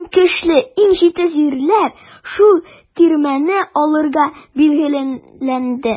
Иң көчле, иң җитез ирләр шул тирмәне алырга билгеләнде.